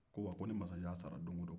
ko wɔ ko ni masajan sara don wo don